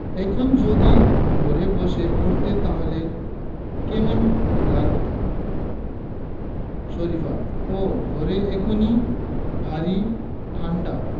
এখন যদি ঘরে বসে পড়তে তাহলে কেমন লাগত শরিফা ওহ ঘরে এখন ভারি ঠাণ্ডা